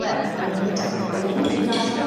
wel o'n ni 'im yn dathlu o'n i'n mynd i noson...